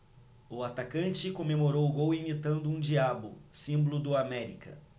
o atacante comemorou o gol imitando um diabo símbolo do américa